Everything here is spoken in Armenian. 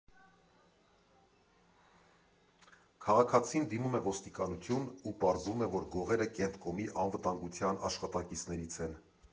Քաղաքացին դիմում է ոստիկանություն ու պարզվում է, որ գողերը Կենտկոմի անվտանգության աշխատակիցներից են։